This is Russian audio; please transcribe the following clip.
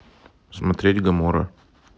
смотреть гоморра